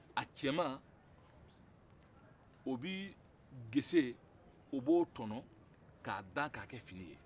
a cɛma o bɛ gese o b'o tɔnɔn ka baa ka kɛ fini ye